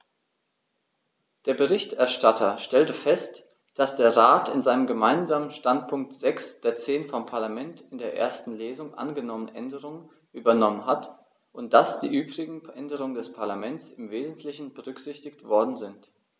Der Berichterstatter stellte fest, dass der Rat in seinem Gemeinsamen Standpunkt sechs der zehn vom Parlament in der ersten Lesung angenommenen Änderungen übernommen hat und dass die übrigen Änderungen des Parlaments im wesentlichen berücksichtigt worden sind.